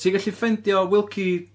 Ti'n gallu ffeindio Wilkie?